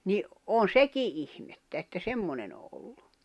niin on sekin ihmettä että semmoinen on ollut